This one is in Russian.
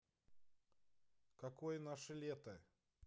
какое наше лето